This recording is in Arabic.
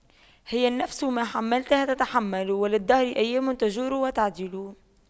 هي النفس ما حَمَّلْتَها تتحمل وللدهر أيام تجور وتَعْدِلُ